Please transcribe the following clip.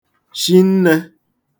shinne